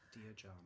Dear John.